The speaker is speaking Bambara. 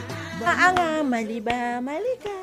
Mariaba